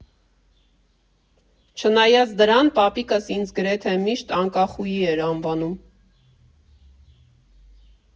Չնայած դրան, պապիկս ինձ գրեթե միշտ Անկախուհի էր անվանում։